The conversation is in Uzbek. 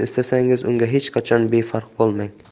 istasangiz unga hech qachon befarq bo'lmang